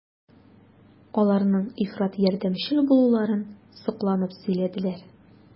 Аларның ифрат ярдәмчел булуларын сокланып сөйләделәр.